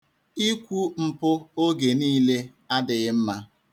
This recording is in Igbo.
Ikwu mpụ oge niile adịghị mma.